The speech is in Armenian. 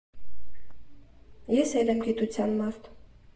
Ես էլ եմ գիտության մարդ։